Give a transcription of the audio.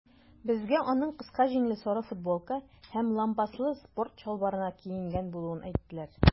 Безгә аның кыска җиңле сары футболка һәм лампаслы спорт чалбарына киенгән булуын әйттеләр.